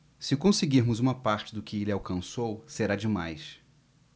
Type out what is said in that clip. se conseguirmos uma parte do que ele alcançou será demais